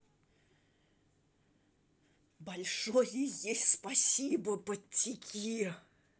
большое есть спасибо подтеки